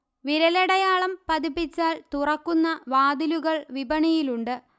വിരലടയാളം പതിപ്പിച്ചാൽ തുറക്കുന്ന വാതിലുകൾ വിപണിയിലുണ്ട്